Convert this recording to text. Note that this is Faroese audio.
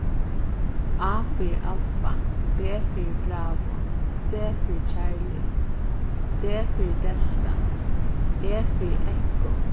a fyri alfa b fyri bravo c fyri charlie d fyri delta e fyri echo